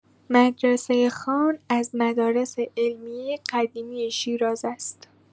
مدرسه خان از مدارس علمیه قدیمی شیراز است.